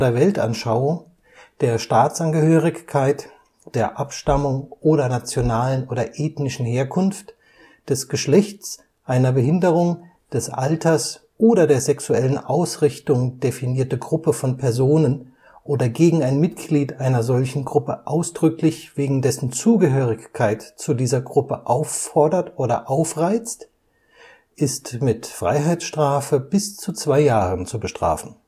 Weltanschauung, der Staatsangehörigkeit, der Abstammung oder nationalen oder ethnischen Herkunft, des Geschlechts, einer Behinderung, des Alters oder der sexuellen Ausrichtung definierte Gruppe von Personen oder gegen ein Mitglied einer solchen Gruppe ausdrücklich wegen dessen Zugehörigkeit zu dieser Gruppe auffordert oder aufreizt, ist mit Freiheitsstrafe bis zu zwei Jahren zu bestrafen